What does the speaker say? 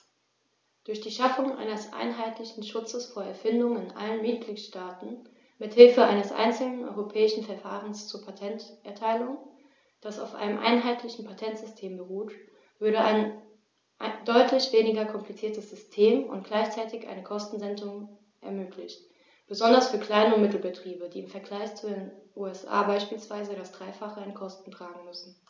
Durch die Schaffung eines einheitlichen Schutzes von Erfindungen in allen Mitgliedstaaten mit Hilfe eines einzelnen europäischen Verfahrens zur Patenterteilung, das auf einem einheitlichen Patentsystem beruht, würde ein deutlich weniger kompliziertes System und gleichzeitig eine Kostensenkung ermöglicht, besonders für Klein- und Mittelbetriebe, die im Vergleich zu den USA beispielsweise das dreifache an Kosten tragen müssen.